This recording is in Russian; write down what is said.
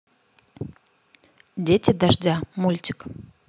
дети дождя мультик